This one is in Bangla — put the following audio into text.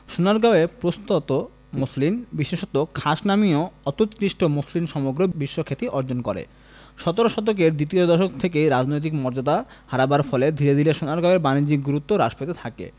সোনারগাঁয়ে প্রস্ত্তত মসলিন বিশেষত খাস নামীয় অত্যুৎকৃষ্ট মসলিন সমগ্র বিশ্বে খ্যাতি অর্জন করে সতেরো শতকের দ্বিতীয় দশক থেকে রাজনৈতিক মর্যাদা হারাবার ফলে ধীরে ধীরে সোনারগাঁয়ের বাণিজ্যিক গুরুত্বও হ্রাস পেতে থাকে